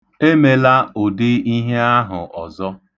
Emela ụdị ihe ahụ ọzọ.